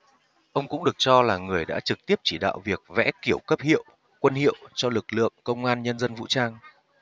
ông cũng được cho là người đã trực tiếp chỉ đạo việc vẽ kiểu cấp hiệu quân hiệu cho lực lượng công an nhân dân vũ trang